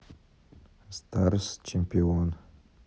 старс чемпион